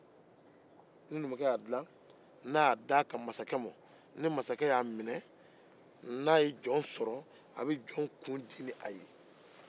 ni numukɛ y'a dila k'a di masakɛ ma a bɛ jɔn kun di ni a ye